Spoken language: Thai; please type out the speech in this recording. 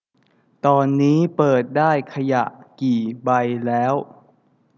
ตอนนี้เปิดได้ขยะกี่ใบแล้ว